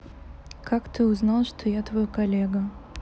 как ты узнал что я твой коллега